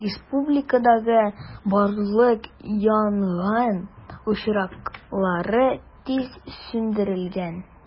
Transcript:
Республикадагы барлык янгын очраклары тиз сүндерелгән.